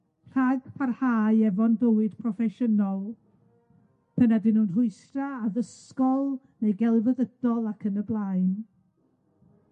rhag parhau efo'n bywyd proffesiynol, p'un ydyn nw'n rhwystra' addysgol neu gelfyddydol ac yn y blaen.